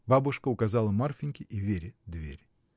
Бабушка указала Марфиньке и Вере дверь.